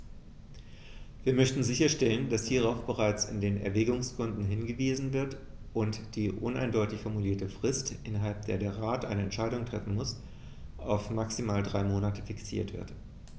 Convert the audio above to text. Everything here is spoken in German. Wir möchten sicherstellen, dass hierauf bereits in den Erwägungsgründen hingewiesen wird und die uneindeutig formulierte Frist, innerhalb der der Rat eine Entscheidung treffen muss, auf maximal drei Monate fixiert wird.